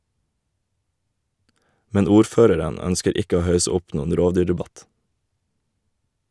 Men ordføreren ønsker ikke å hausse opp noen rovdyrdebatt.